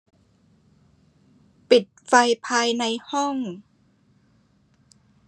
ปิดไฟภายในห้อง